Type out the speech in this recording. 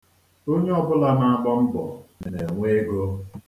Onye ọbụla na-agba mbọ na-enwe ego.